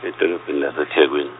edolobheni laseThekwini.